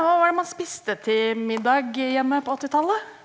hva var det man spiste til middag hjemme på åttitallet?